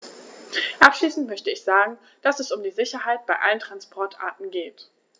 Abschließend möchte ich sagen, dass es um die Sicherheit bei allen Transportarten geht.